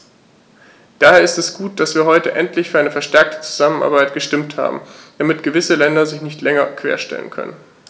Daher ist es gut, dass wir heute endlich für eine verstärkte Zusammenarbeit gestimmt haben, damit gewisse Länder sich nicht länger querstellen können.